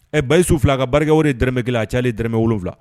Ɛ basiyi su fila ka barikaw de dɛrɛmɛ kelen a caya ale d wolowula